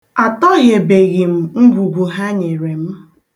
Atọghebeghị m ngwugwu ha nyere m.